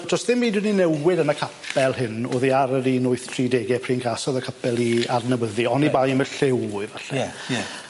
do's dim byd wedi newid yn y capel hyn oddi ar yr un wyth tri dege pry'n casodd y capel 'i adnewyddu oni bai am y lliw efalle. Ie ie.